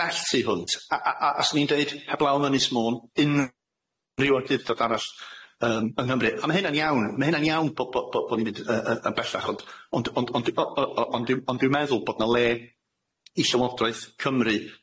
bell tu hwnt a a a swn i'n deud heblaw yn Ynys Môn unrhyw awdurdod arall yym yng Nghymru a ma' hynna'n iawn ma' hynna'n iawn bo' bo' bo' ni'n mynd yy yy yn bellach ond ond ond ond yy ond yw ond dwi'n ond dwi'n meddwl bod na le i Llywodraeth Cymru